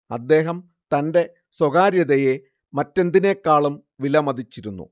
അദ്ദേഹം തന്റെ സ്വകാര്യതയെ മറ്റെന്തിനേക്കാളും വിലമതിച്ചിരുന്നു